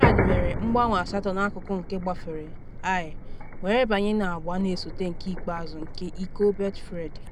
Gerrard mere mgbanwe asatọ n’akụkụ nke gbafere Ayr were banye n’agba na-esote nke ikpeazụ nke Iko Betfred.